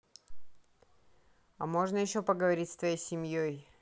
а можно еще поговорить с твоей семьей